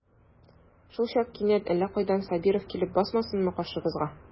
Шулчак кинәт әллә кайдан Сабиров килеп басмасынмы каршыбызга.